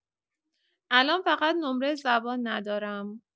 الان فقط نمره زبان ندارم.